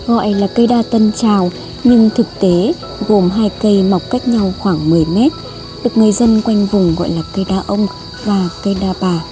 gọi là cây đa tân trào nhưng thực tế gồm cây cách nhau khoảng m được người dân quanh vùng gọi là cây đa ông và cây đa bà